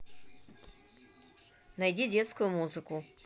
найди детскую музыку